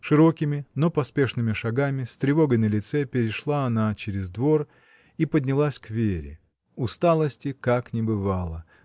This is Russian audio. Широкими, но поспешными шагами, с тревогой на лице, перешла она через двор и поднялась к Вере. Усталости — как не бывало.